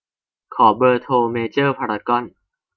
ขอเบอร์โทรเมเจอร์พารากอน